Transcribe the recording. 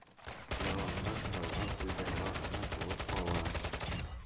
Ялганга корылган уйдырма гына булып кала.